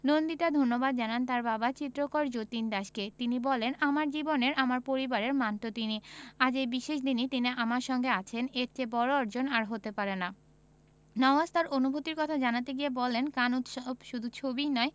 নন্দিতা ধন্যবাদ জানান তার বাবা চিত্রকর যতীন দাসকে তিনি বলেন আমার জীবনের আমার পরিবারের মান্টো তিনি আজ এই বিশেষ দিনে তিনি আমার সঙ্গে আছেন এর চেয়ে বড় অর্জন আর হতে পারে না নওয়াজ তার অনুভূতির কথা জানাতে গিয়ে বলেন কান উৎসব শুধু ছবিই নয়